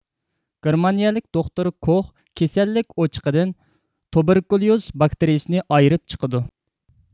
گېرمانىيىلىك دوختۇر كوخ كېسەللىك ئوچىقىدىن تۇبېركۇليۇز باكتىرىيىسىنى ئايرىپ چىقىدۇ